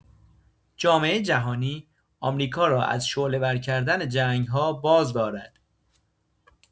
جامعه جهانی آمریکا را از شعله‌ور کردن جنگ‌ها بازدارد.